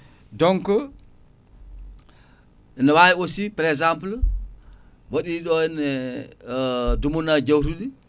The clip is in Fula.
donc ene wawi aussi prexempe waɗi ɗo henna dumunnaji jawtuɗi